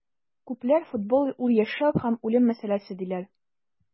Күпләр футбол - ул яшәү һәм үлем мәсьәләсе, диләр.